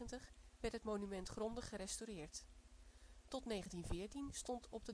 het monument grondig gerestaureerd. Tot 1914 stond op